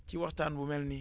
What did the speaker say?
ci waxtaan bu mel nii